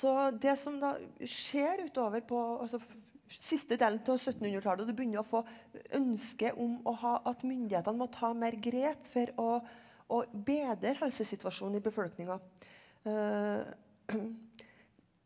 så det som da skjer utover på altså siste delen av syttenhundretallet du begynner å få ønske om å ha at myndighetene må ta mer grep for å å bedre helsesituasjonen i befolkninga .